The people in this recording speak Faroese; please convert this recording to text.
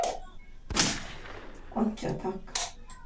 einki at takka